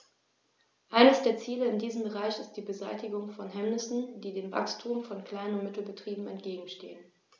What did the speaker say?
Eines der Ziele in diesem Bereich ist die Beseitigung von Hemmnissen, die dem Wachstum von Klein- und Mittelbetrieben entgegenstehen.